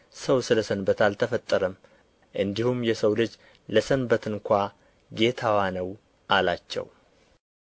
ሰው ስለ ሰንበት አልተፈጠረም እንዲሁም የሰው ልጅ ለሰንበት እንኳ ጌታዋ ነው አላቸው